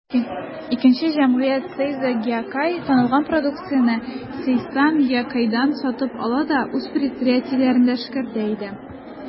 Икенче җәмгыять, «Сейзо Гиокай», тотылган продукцияне «Сейсан Гиокайдан» сатып ала да үз предприятиеләрендә эшкәртә иде.